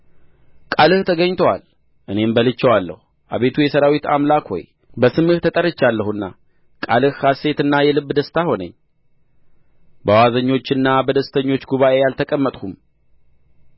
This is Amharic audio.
ቃልህ ተገኝቶአል እኔም በልቼዋለሁ አቤቱ የሠራዊት አምላክ ሆይ በስምህ ተጠርቻለሁና ቃልህ ሐሤትና የልብ ደስታ ሆነኝ በዋዘኞችና በደስተኞች ጉባኤ አልተቀመጥሁም